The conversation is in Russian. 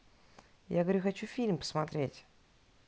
я говорю хочу фильм посмотреть